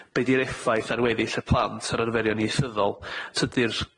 Be' 'di'r effaith ar weddill y plant a'r arferion ieithyddol? Tydi'r